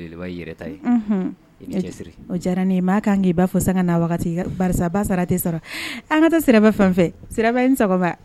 Diyara an ka sira